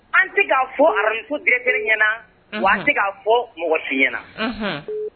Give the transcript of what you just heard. An ti ka fɔ Radio so directeur ɲɛna. Wa an tɛ ka fɔ mɔgɔ si ɲɛna .